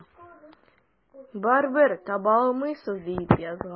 Барыбер таба алмассыз, дип язган.